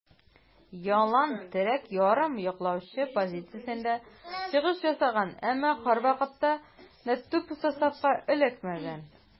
Ялланн терәк ярым яклаучы позициясендә чыгыш ясаган, әмма һәрвакытта да төп составка эләкмәгән.